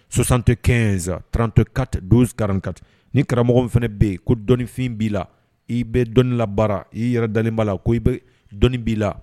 Sosantɔ kɛz trantɔkate donkakate ni karamɔgɔ fana bɛ yen ko dɔnniifin b'i la i bɛ dɔnni la baara ii yɛrɛ dalen' la ko i bɛ dɔnnii b'i la